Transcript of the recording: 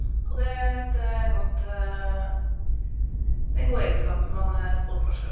Og det er et godt det er en god egenskap når man er språkforsker.